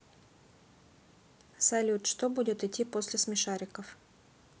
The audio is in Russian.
салют что будет идти после смешариков